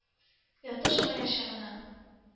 Ятышмаячагына